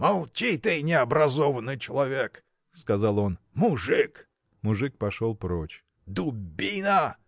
– Молчи ты, необразованный человек! – сказал он, – мужик! Мужик пошел прочь. – Дубина!